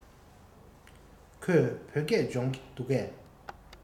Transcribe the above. ཁོས བོད སྐད སྦྱོང གི འདུག གས